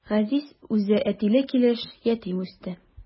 Газиз үзе әтиле килеш ятим үсте.